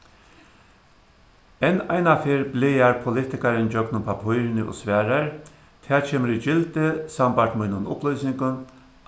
enn eina ferð blaðar politikarin gjøgnum pappírini og svarar tað kemur í gildi sambært mínum upplýsingum